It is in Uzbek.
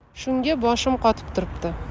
shunga boshim qotib turibdi